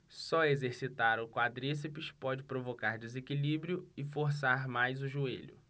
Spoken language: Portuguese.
só exercitar o quadríceps pode provocar desequilíbrio e forçar mais o joelho